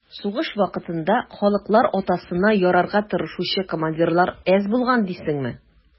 Сугыш вакытында «халыклар атасына» ярарга тырышучы командирлар әз булган дисеңме?